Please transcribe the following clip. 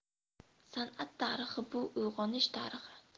san'at tarixi bu uyg'onish tarixi